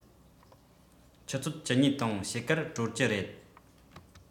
ཆུ ཚོད བཅུ གཉིས དང ཕྱེད ཀར གྲོལ གྱི རེད